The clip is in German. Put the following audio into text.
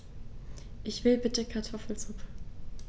Ich will bitte Kartoffelsuppe.